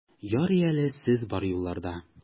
Ярый әле сез бар юлларда!